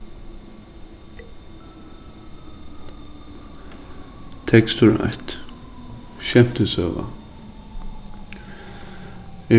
tekstur eitt skemtisøga